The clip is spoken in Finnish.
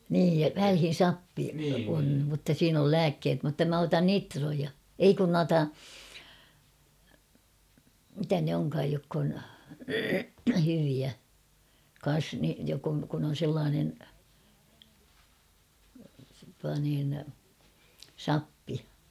niin välillä sappi on mutta siinä oli lääkkeet mutta minä otan nitroja ei kun noita mitä ne onkaan jotka on hyviä kanssa - jotka on kun on sellainen tuo niin sappi